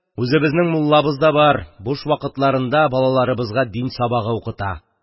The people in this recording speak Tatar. Үзебезнең муллабыз бар, буш вакытларында балаларыбызга дин сабагы укыта..